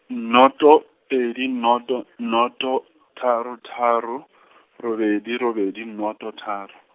noto pedi, noto noto, tharo tharo, robedi robedi, noto tharo.